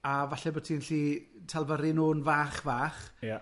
a falle bo' ti'n gallu talfyru nhw'n fach fach. Ie.